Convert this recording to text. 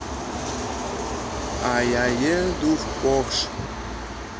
а я еду в порш